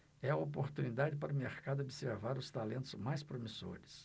é a oportunidade para o mercado observar os talentos mais promissores